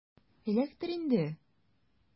Эләктер инде!